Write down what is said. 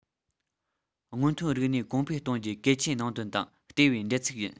སྔོན ཐོན རིག གནས གོང འཕེལ གཏོང རྒྱུའི གལ ཆེའི ནང དོན དང ལྟེ བའི འབྲེལ ཚིགས ཡིན